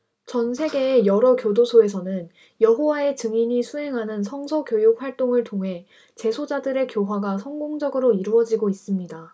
전 세계의 여러 교도소에서는 여호와의 증인이 수행하는 성서 교육 활동을 통해 재소자들의 교화가 성공적으로 이루어지고 있습니다